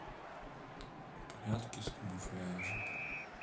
прятки с камуфляжем